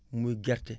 muy gerte